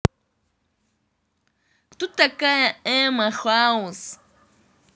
кто такая эмма хаус